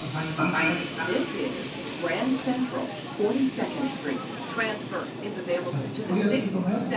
Ma' rhaid i ni . Sori, pwy o'dd isie do' mewn?